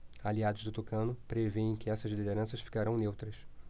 aliados do tucano prevêem que essas lideranças ficarão neutras